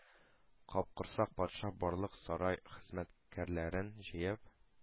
Капкорсак патша барлык сарай хезмәткәрләрен җыеп,